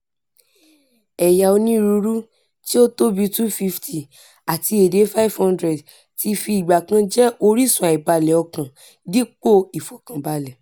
Ẹ̀yà onírúurú – tí ó tó bíi 250 àti èdè 500 – ti fi ìgbà kan jẹ́ orísun àìbalẹ̀ọkàn dípòo ìfọ̀kànbalẹ̀.